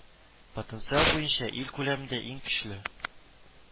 Потенциал буенча ил күләмендә иң көчле